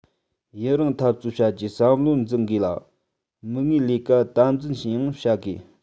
ཡུན རིང འཐབ རྩོད བྱ རྒྱུའི བསམ བློ འཛིན དགོས ལ མིག སྔའི ལས ཀ དམ འཛིན ཡང བྱ དགོས